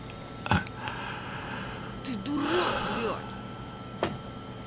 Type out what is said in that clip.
ты дурак блядь